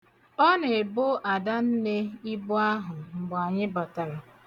Ọ na-ebo Adanne ibu ahụ mgbe anyị batara.